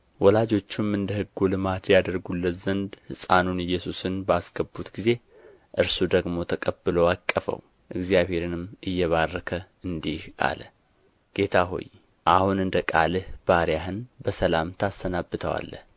ወላጆቹም እንደ ሕጉ ልማድ ያደርጉለት ዘንድ ሕፃኑን ኢየሱስን በአስገቡት ጊዜ እርሱ ደግሞ ተቀብሎ አቀፈው እግዚአብሔርንም እየባረከ እንዲህ አለ ጌታ ሆይ አሁን እንደ ቃልህ ባሪያህን በሰላም ታሰናብተዋለህ